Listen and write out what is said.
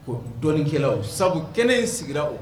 Ɔ dɔnikɛlaw sabu kelen sigira o